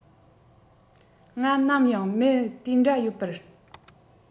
ང ནམ ཡང མི དེ འདྲ ཡོད པར